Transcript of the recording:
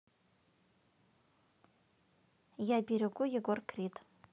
я берегу егор крид